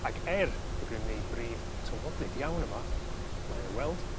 ag er bo' gynno ni bridd tywodlyd iawn yma mae o i weld